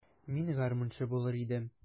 Мин гармунчы булыр идем.